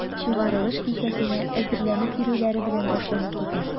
Чыгарылыш кичәсенә әзерләнеп йөрүләре белән башланып китә.